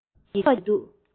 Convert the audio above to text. སྐར ཚོགས ཀྱི མཛེས སྡུག